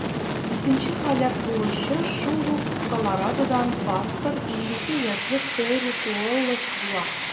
Икенче һәлак булучы шул ук Колорадодан пастор - 52 яшьлек Пэрис Уоллэс була.